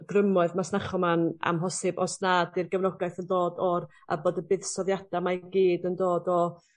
grymoedd masnachol ma'n amhosib os na 'di'r gefnogaeth yn dod o'r... A bod y buddsoddiada' 'ma i gyd yn dod o